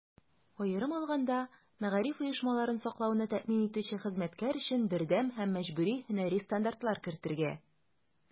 Аерым алганда, мәгариф оешмаларын саклауны тәэмин итүче хезмәткәр өчен бердәм һәм мәҗбүри һөнәри стандартлар кертергә.